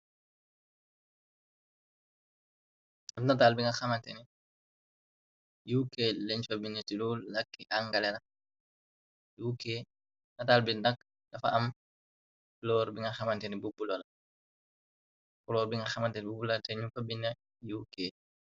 Am nataal bi nga xamanteni k leñ fa bina tilu lakki angalera uk nataal bi ndàkk dafa am plor bi nga xamanteni bubu lola koloor bi nga xamanteni bu ulaa te ñu fa bina yiuk.